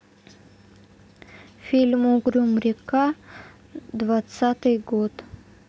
фильм угрюм река двадцатый год